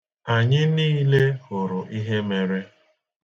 Anyị niile hụrụ ihe mere.